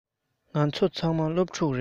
ང ཚོ ཚང མ སློབ ཕྲུག ཡིན